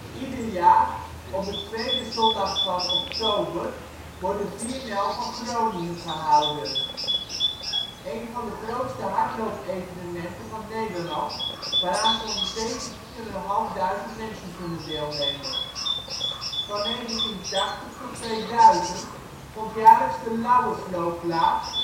Ieder jaar, op de tweede zondag van oktober, wordt de 4 Mijl van Groningen gehouden, een van de grootste hardloop-evenementen van Nederland waaraan zo 'n 17.500 mensen kunnen deelnemen. Van 1980 tot 2000 vond jaarlijks de Lauwersloop plaats